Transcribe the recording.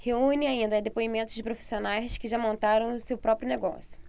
reúne ainda depoimentos de profissionais que já montaram seu próprio negócio